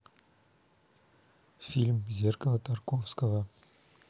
фильм зеркало тарковского